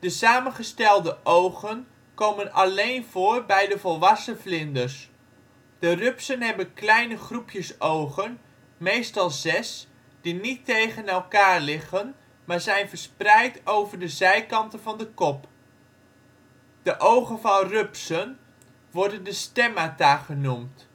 samengestelde ogen komen alleen voor bij de volwassen vlinders; de rupsen hebben kleine groepjes ogen (meestal zes), die niet tegen elkaar liggen maar zijn verspreid over de zijkanten van de kop. De ogen van rupsen worden de stemmata genoemd